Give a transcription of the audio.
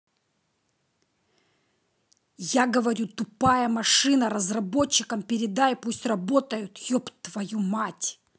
я говорю тупая машина разработчикам передай пусть работают еб твою мать